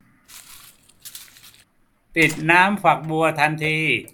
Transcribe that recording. ปิดน้ำฝักบัวทันที